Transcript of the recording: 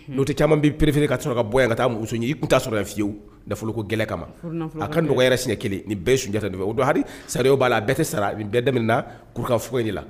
O tɛ caman bin perepfi ka sɔrɔ ka bɔ yan ka taa muso ɲini i tun ta sɔrɔ fiyewu nafoloko gɛlɛ kama ma a ka n dɔgɔ yɛrɛ siɲɛ kelen ni bɛɛ sunjata tɛ don o don sara b'a la a bɛɛ tɛ sara a bɛ bɛɛ daminɛminɛna kurufugu de la